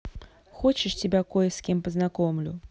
хочешь тебя кое с кем познакомлю